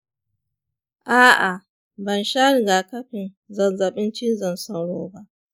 a'a bansha rigakafin zazzaɓin cizon sauro ba